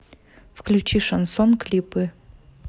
включи шансон клипы